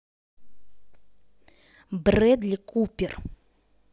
брэдли купер